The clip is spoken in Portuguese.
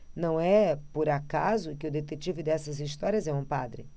não é por acaso que o detetive dessas histórias é um padre